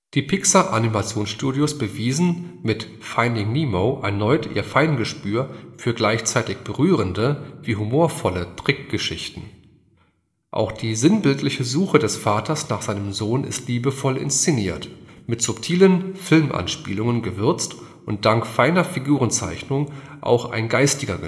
Die Pixar-Animationsstudios beweisen mit » Finding Nemo « erneut ihr Feingespür für gleichzeitig berührende wie humorvolle Trickgeschichten. Die auch sinnbildliche Suche des Vaters nach seinem Sohn ist liebevoll inszeniert, mit subtilen (Film -) Anspielungen gewürzt und dank feiner Figurenzeichnung auch ein geistiger